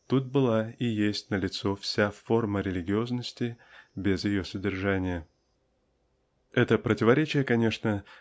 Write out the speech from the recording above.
тут была и есть налицо вся форма религиозности без ее содержания. Это противоречие конечно